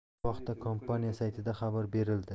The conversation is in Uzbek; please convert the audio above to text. bu haqda kompaniya saytida xabar berildi